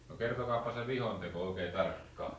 no kertokaapa se vihkon teko oikein tarkkaan